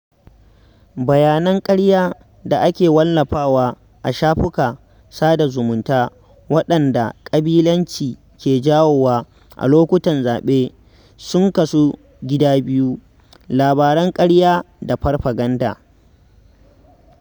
Bayanan ƙarya da ake wallafawa a shafukan sada zumunta waɗanda ƙabilanci ke jawowa a lokutan zaɓe sun kasu gida biyu: labaran ƙarya da farfaganda.